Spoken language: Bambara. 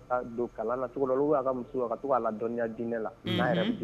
Don kalan la cogo la olu'a ka muso ka tɔgɔ' la dɔnya diinɛ la